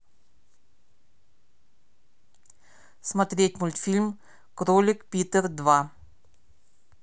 смотреть мультфильм кролик питер два